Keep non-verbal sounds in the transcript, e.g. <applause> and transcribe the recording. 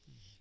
<hesitation>